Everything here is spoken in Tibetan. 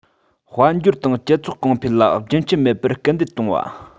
དཔལ འབྱོར དང སྤྱི ཚོགས གོང འཕེལ ལ རྒྱུན ཆད མེད པར སྐུལ འདེད གཏོང བ